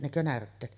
nekö närtteet